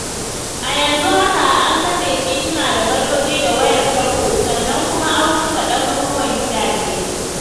A yanzu haka, an katse tituna da gadoji da wayar tarho sannan kuma an rusa ɗaruruwan gidaje.